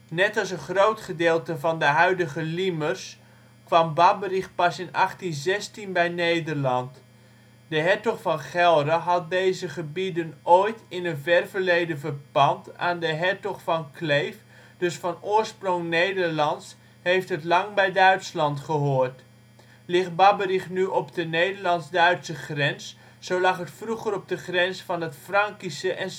Net als een groot gedeelte van de huidige Liemers kwam Babberich pas in 1816 bij Nederland. De Hertog van Gelre had deze gebieden ooit in een ver verleden verpand aan de Hertog van Kleef, dus van oorsprong Nederlands heeft het lang bij Duitsland gehoord. Ligt Babberich nu op de Nederlands-Duitse grens, zo lag het vroeger op de grens van Frankische en Saksische